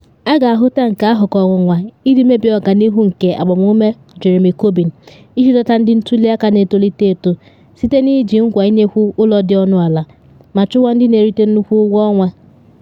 A ga-ahụta nke ahụ ka ọnwụnwa iji mebie ọganihu nke agbamume Jeremy Corbyn iji dọta ndị ntuli aka na etolite eto site na iji nkwa ịnyekwu ụlọ dị ọnụ ala ma chụwa ndị na erite nnukwu ụgwọ ọnwa.